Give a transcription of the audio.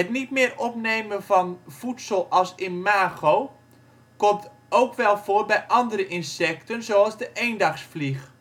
niet meer opnemen van voedsel als imago komt ook wel voor bij andere insecten, zoals de eendagsvlieg